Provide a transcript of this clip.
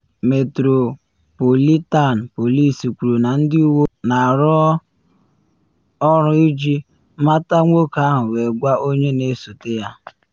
Metropolitan Police kwuru na ndị uwe ojii na arụ ọrụ iji mata nwoke ahụ wee gwa onye na esote ya.